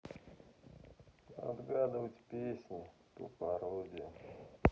отгадывать песни по пародиям